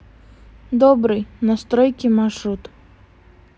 добрый настройки маршрут